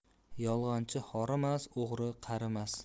yolg'onchi horimas o'g'ri qarimas